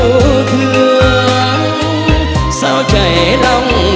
thương sao